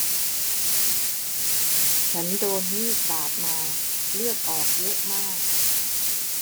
ฉันโดนมีดบาดมาเลือดออกเยอะมาก